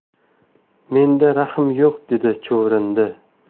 menda rahm yo'q dedi chuvrindi